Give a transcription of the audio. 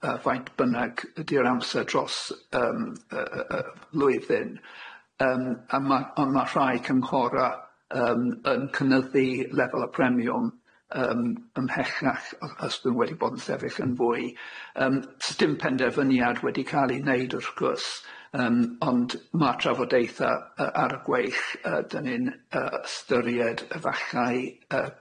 yy faint bynnag ydi'r amser dros yym yy yy y flwyddyn yym a ma' on' ma' rhai cynghora yym yn cynyddu lefel y premiwm ym- ymhellach o- os 'di nw wedi bod yn sefyll yn fwy yym sdim penderfyniad wedi ca'l 'i neud wrth gwrs yym ond ma' trafodeutha yy ar y gweill yy 'dan ni'n yy ystyried efallai yy